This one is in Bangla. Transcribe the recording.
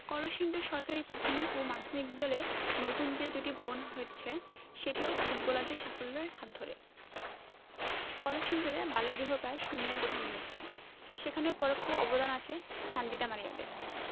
কলসিন্দুর সরকারি প্রাথমিক ও মাধ্যমিক বিদ্যালয়ে নতুন যে দুটি ভবন হচ্ছে সেটিও ফুটবলারদের সাফল্যের হাত ধরেই কলসিন্দুরে বাল্যবিবাহ প্রায় শূন্যের কোঠায় নেমে এসেছে সেখানেও পরোক্ষ অবদান আছে সানজিদা মারিয়াদের